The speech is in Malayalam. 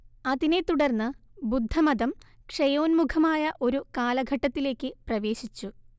അതിനെ തുടർന്ന് ബുദ്ധമതം ക്ഷയോന്മുഖമായ ഒരു കാലഘട്ടത്തിലേക്ക് പ്രവേശിച്ചു